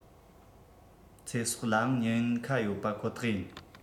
ཚེ སྲོག ལའང ཉེན ཁ ཡོད པ ཁོ ཐག ཡིན